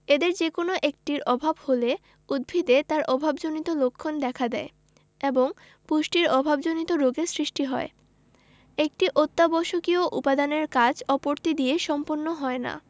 এদের যেকোনো একটির অভাব হলে উদ্ভিদে তার অভাবজনিত লক্ষণ দেখা দেয় এবং পুষ্টির অভাবজনিত রোগের সৃষ্টি হয় একটি অত্যাবশ্যকীয় উপাদানের কাজ অপরটি দিয়ে সম্পন্ন হয় না